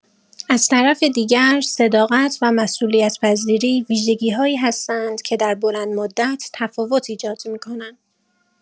از طرف دیگر، صداقت و مسئولیت‌پذیری ویژگی‌هایی هستند که در بلندمدت تفاوت ایجاد می‌کنند.